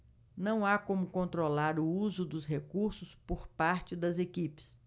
não há como controlar o uso dos recursos por parte das equipes